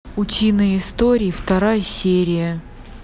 утиные истории вторая серия